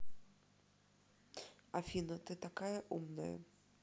афина ты такая умная